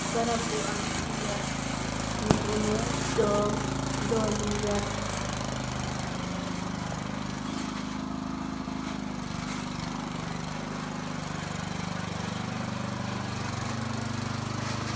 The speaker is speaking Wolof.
Garab bu am lu wertax mogi ameh dom dom yu wertah.